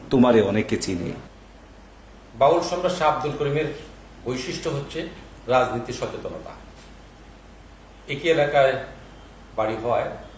তোমারে অনেকে চিনে বাউল সম্রাট শাহ আব্দুল করিম এর বৈশিষ্ট্য হচ্ছে রাজনীতি সচেতনতা একই এলাকায় বাড়ি হওয়ায়